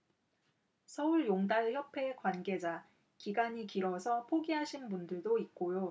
서울용달협회 관계자 기간이 길어서 포기하신 분도 있고요